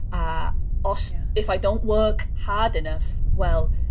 A... Hmm. ...os... Ia. ...if I don't work hard enough, well